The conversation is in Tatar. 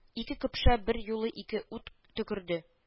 Ике көпшә берьюлы ике ут төкерде